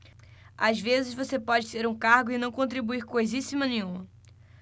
às vezes você pode ter um cargo e não contribuir coisíssima nenhuma